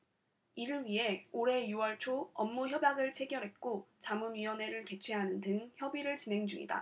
이를 위해 올해 유 월 초 업무협약을 체결했고 자문위원회를 개최하는 등 협의를 진행 중이다